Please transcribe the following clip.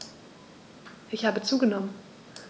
Ich habe zugenommen.